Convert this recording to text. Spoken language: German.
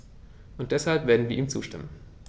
Und deshalb werden wir ihm zustimmen.